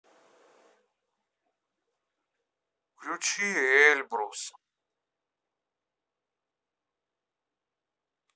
включи эльбрус